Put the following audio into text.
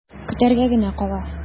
Көтәргә генә кала.